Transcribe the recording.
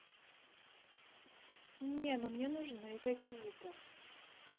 не ну мне нужны какие то